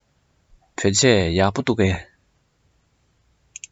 བོད ཆས ཡག པོ འདུག གས